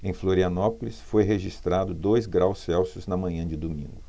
em florianópolis foi registrado dois graus celsius na manhã de domingo